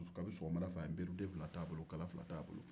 kabini sɔgɔmadafɛ a ye nperu den fila t'a bolo kala fila t'a bolo